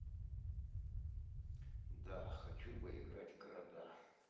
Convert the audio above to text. да хочу поиграть в города